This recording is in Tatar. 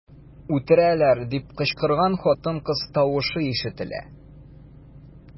"үтерәләр” дип кычкырган хатын-кыз тавышы ишетелә.